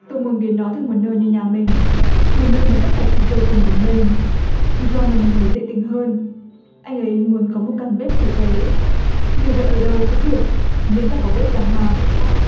tôi muốn biến nó thành một nơi như nhà mình một nơi mà tất cả chúng tôi cùng lớn lên gion là một người dễ tính hơn anh ấy muốn có một căn bếp tử tế vì vậy ở đâu cũng được miễn là có bếp đàng hoàng